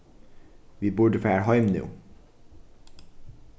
vit burdu farið heim nú